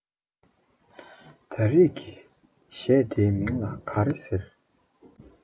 ད རེད ཀྱི གཞད འདིའི མིང ལ ག རེ ཟེར